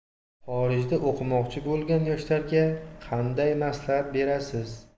xorijda o'qimoqchi bo'lgan yoshlarga qanday maslahat berasiz